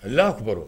A la kiba